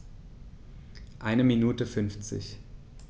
Eine Minute 50